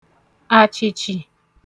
àchìc̣hị̀